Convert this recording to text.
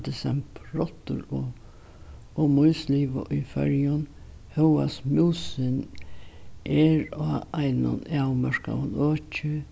desembur rottur og og mýs liva í føroyum hóast músin er á einum øki